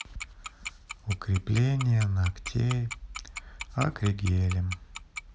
укрепление ногтей акригелем